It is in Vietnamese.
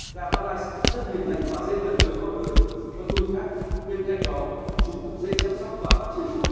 gà malines cũng rất hiền lành và dễ gần với con người vật nuôi khác bên cạnh đó chúng cũng dễ chăm sóc và phát triển